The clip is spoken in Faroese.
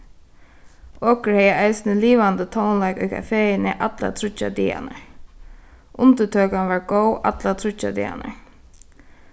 okur hevði eisini livandi tónleik í kafeini allar tríggjar dagarnar undirtøkan var góð allar tríggjar dagarnar